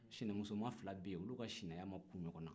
sinanmusoma fila bɛ yen olu ka sinanya ma ku ɲɔgɔn na